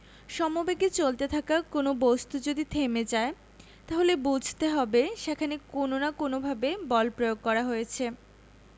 সমবেগে চলতে থাকা কোনো বস্তু যদি থেমে যায় তাহলে বুঝতে হবে সেখানে কোনো না কোনোভাবে বল প্রয়োগ করা হয়েছে